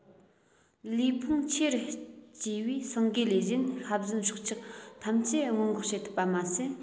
ལུས ཕུང ཆེ རུ སྐྱེ བས སེང གེ ལས གཞན ཤ ཟན སྲོག ཆགས ཐམས ཅད སྔོན འགོག བྱེད ཐུབ པ མ ཟད